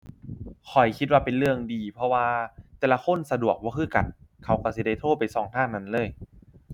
ข้อยคิดว่าเป็นเรื่องดีเพราะว่าแต่ละคนสะดวกบ่คือกันเขาก็สิได้โทรไปก็ทางนั้นเลย